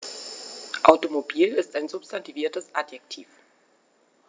Automobil ist ein substantiviertes Adjektiv.